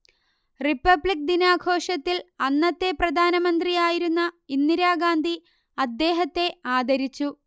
republic ദിനാഘോഷത്തിൽ അന്നത്തെ പ്രധാനമന്ത്രിയായിരുന്ന ഇന്ദിരാഗാന്ധി അദ്ദേഹത്തെ ആദരിച്ചു